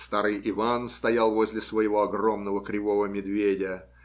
Старый Иван стоял возле своего огромного кривого медведя.